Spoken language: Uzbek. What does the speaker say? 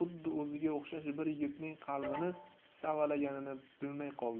xuddi o'ziga o'xshash bir yigitning qalbini savalaganini bilmay qoldi